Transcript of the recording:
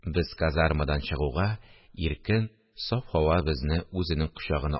Без казармадан чыгуга, иркен, саф һава безне үзенең кочагына